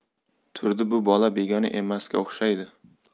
turdi bu bola begona emasga o'xshaydi